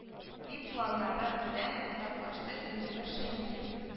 Дип планнары белән уртаклашты минтимер шәймиев